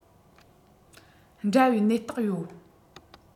འདྲ བའི ནད རྟགས ཡོད